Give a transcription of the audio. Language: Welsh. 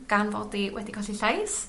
gan fod i wedi colli llais